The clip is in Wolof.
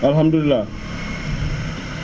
alhamdulilah